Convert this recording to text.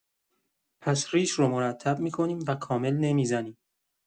پس ریش رو مرتب می‌کنیم و کامل نمی‌زنیم.